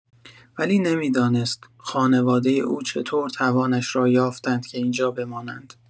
ولی نمی‌دانست خانواد او چطور توانش را یافتند که اینجا بمانند.